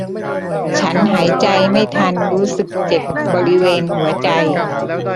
ฉันหายใจไม่ทันรู้สึกเจ็บบริเวณหัวใจ